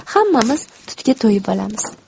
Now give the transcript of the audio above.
hammamiz tutga to'yib olamiz